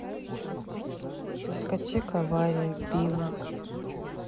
дискотека авария пиво